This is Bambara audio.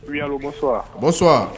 Bosɔ